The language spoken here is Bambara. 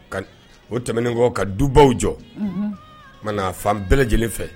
Ka o tɛmɛnen kɔ ka dubaw jɔ ma n'a fan bɛɛ lajɛlen fɛ